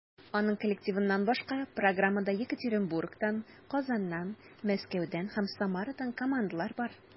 Аның коллективыннан башка, программада Екатеринбургтан, Казаннан, Мәскәүдән һәм Самарадан командалар бар.